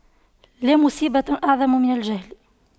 لا مصيبة أعظم من الجهل